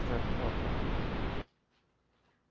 sira toqat yo'q